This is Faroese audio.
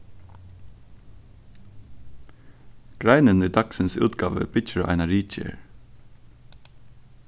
greinin í dagsins útgávu byggir á eina ritgerð